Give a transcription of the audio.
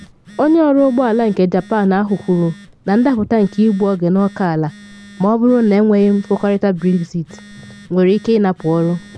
Onye ọrụ ụgbọ ala nke Japan ahụ kwuru na ndapụta nke igbu oge n’oke ala ma ọ bụrụ na enweghị nkwekọrịta Brexit nwere ike napụ ọrụ.